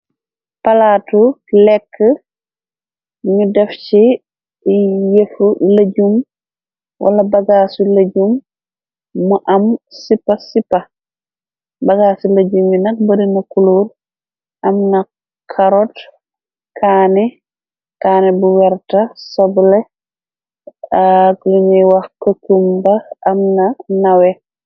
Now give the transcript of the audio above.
Palatu lekk ñu def ci yëfu lëjum wala bagaasi lëjum mu am sipa-sipa bagaasi lëjum yi nag bari na kulor am na karo, kane, Kane bu werta soble ak luñuy wax kakumba ba am na nawe.